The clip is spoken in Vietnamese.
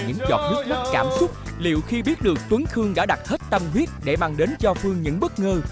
nhưng giọt nước mắt cảm xúc liệu khi biết được tuấn khương đã đặt hết tâm huyết để mang đến cho phương những bất ngờ